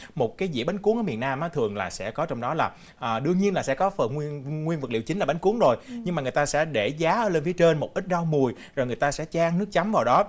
một cái dĩa bánh cuốn miền nam thường là sẽ có trong đó là ờ đương nhiên là sẽ có phần nguyên nguyên vật liệu chính là bánh cuốn rồi nhưng mà người ta sẽ để giá lên phía trên một ít rau mùi rồi người ta sẽ chan nước chấm vào đó